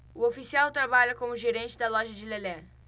o oficial trabalha como gerente da loja de lelé